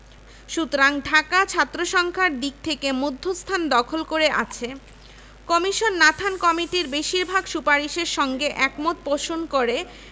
১. বিশ্ববিদ্যালয়টি হবে রাষ্ট্রনিয়ন্ত্রিত এবং সরকারি কর্মকর্তা কর্তৃক পরিচালিত ২. এটি হবে আবাসিক ও শিক্ষাদানকারী বিশ্ববিদ্যালয় ৩